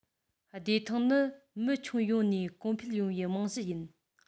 བདེ ཐང ནི མི ཁྱོན ཡོངས ནས གོང འཕེལ ཡོང བའི རྨང གཞི ཡིན